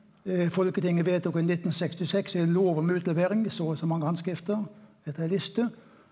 folketinget vedtok i 1966 ei lov om utlevering, så og så mange handskrift, etter ei liste.